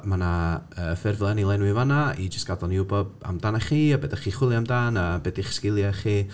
Ma' 'na yy ffurflen i lenwi fan'na i jyst gadel ni wbod amdanoch chi a be dych chi'n chwilio amdan a be 'di eich sgiliau chi.